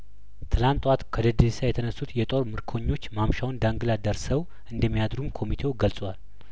ትላንት ጧት ከዴዴሳ የተነሱት የጦር ምርኮኞች ማምሻውን ዳንግላ ደርሰው እንደሚያድሩም ኮሚቴው ገልጿል